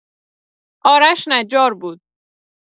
آرش نجار بود.